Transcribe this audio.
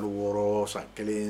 Wɔɔrɔ sa kelen